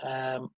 yym